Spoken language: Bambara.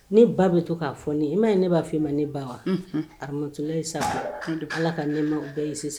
Ne ba bɛ to k'a fɔ nin i ma ye ne b'a fɔ i ma ne ba wa aratula ye sa ala ka ne ma bɛɛ ye sisan